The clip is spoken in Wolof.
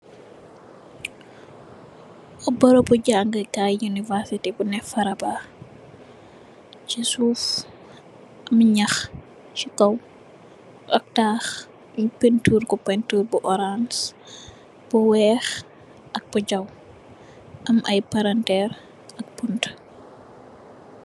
Beureubu jaangeh kaii university bu neh faraba, chi suff am njahh, cii kaw ahb taah nju peintur kor peintur bu ohranse, bu wekh ak bu jaw, am aiiy palanterre ak buntu.